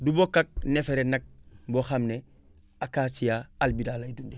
du bokk ak neefere nag boo xam ne acacia albida lay dundee